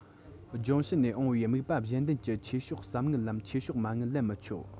ལྗོངས ཕྱི ནས འོང བའི དམིགས པ གཞན ལྡན གྱི ཆོས ཕྱོགས གསབ དངུལ ལམ ཆོས ཕྱོགས མ དངུལ ལེན མི ཆོག